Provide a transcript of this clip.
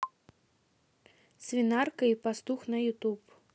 свинарка и пастух на ютуб